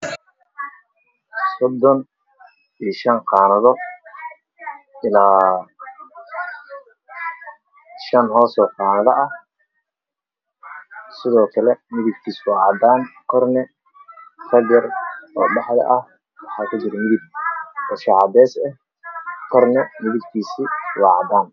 Sodan iyo shan qaanado ah. Shan hoos oo qaanado ah midabkiisu waa cadaan, korna oo bacda ah waxaa kujiro waa shaax cadeys, korna waa cadaan.